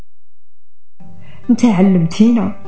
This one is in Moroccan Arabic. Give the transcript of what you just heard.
انت علمتيني